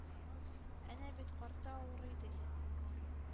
Әнә бит, карты авырый, ди...